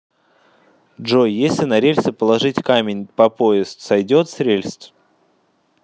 джой если на рельсы положить камень по поезд сойдет с рельсов